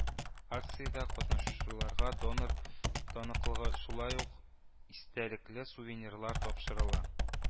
Акциядә катнашучыларга донор таныклыгы, шулай ук истәлекле сувенирлар, тапшырыла